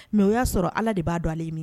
Mais o y'a sɔrɔ allah_ de b'a dɔn ale ye min